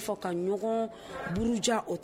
' ka ɲɔgɔn buruja o